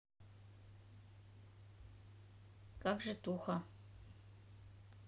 как житуха